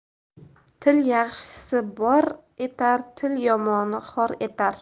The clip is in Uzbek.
til yaxshisi bor etar til yomoni xor etar